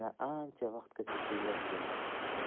vaqtgacha kuylab keldi